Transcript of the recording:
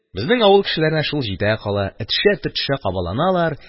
Безнең авыл кешеләренә шул җитә кала, этешә-төртешә кабаланалар.